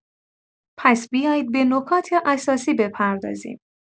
پس بیایید به نکات اساسی بپردازیم.